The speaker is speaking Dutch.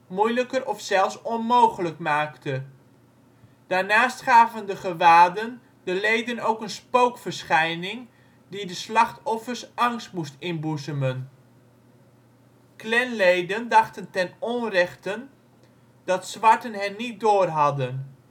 moeilijker of zelfs onmogelijk maakte. Daarnaast gaven de gewaden de leden ook een spookverschijning die de slachtoffers angst moest inboezemen. Klanleden dachten ten onrechte dat zwarten hen niet doorhadden